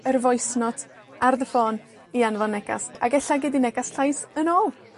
yr Voice Note ar dy ffôn, i anfon negas, ag ella gei di neges llais yn ôl!